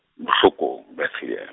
Botlhokong Betlehem.